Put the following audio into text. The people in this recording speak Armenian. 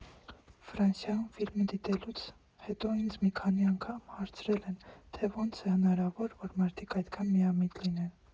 Ֆրանսիայում ֆիլմը դիտելուց հետո ինձ մի քանի անգամ հարցրել են, թե ո՞նց է հնարավոր, որ մարդիկ այդքան միամիտ լինեն։